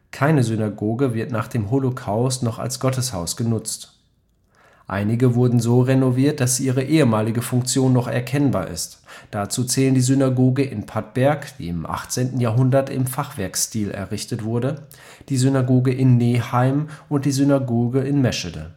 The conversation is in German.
Keine Synagoge wird nach dem Holocaust noch als Gotteshaus genutzt. Einige wurden so renoviert, dass ihre ehemalige Funktion noch erkennbar ist. Dazu zählen die Synagoge in Padberg, die im 18. Jahrhundert im Fachwerkstil errichtet wurde, die Synagoge in Neheim und die Synagoge in Meschede